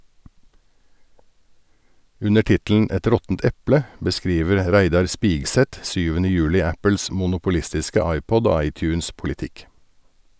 Under tittelen "Et råttent eple" beskriver Reidar Spigseth 7. juli Apples monopolistiske iPod- og iTunes-politikk.